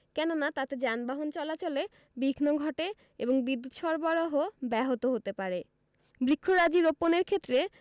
কেননা তাতে যানবাহন চলাচলে বিঘ্ন ঘটে এবং বিদ্যুত সরবরাহ ব্যাহত হতে পারে বৃক্ষরাজি রোপণের ক্ষেত্রে